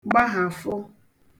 gbahàfụ